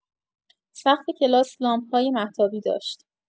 سقف کلاس لامپ‌های مهتابی داشت.